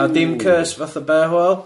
A dim curse fatha barewall.